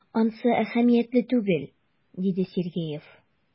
Ансы әһәмиятле түгел,— диде Сергеев.